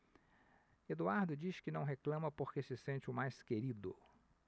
eduardo diz que não reclama porque se sente o mais querido